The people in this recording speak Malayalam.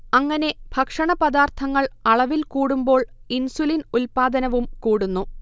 അങ്ങനെ ഭക്ഷണപദാർഥങ്ങൾ അളവിൽ കൂടുമ്പോൾ ഇൻസുലിൻ ഉത്പാദനവും കൂടുന്നു